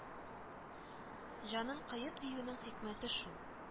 Җанын кыеп диюнең хикмәте шул